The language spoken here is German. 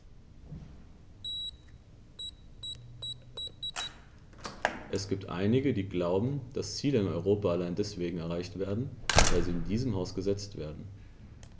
Es gibt einige, die glauben, dass Ziele in Europa allein deswegen erreicht werden, weil sie in diesem Haus gesetzt werden.